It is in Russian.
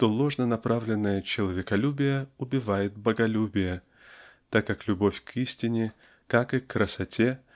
что ложно направленное человеколюбие убивает боголюбие так как любовь к истине как и к красоте